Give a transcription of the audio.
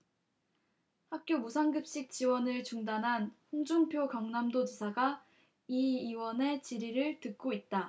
학교 무상급식 지원을 중단한 홍준표 경남도지사가 이 의원의 질의를 듣고 있다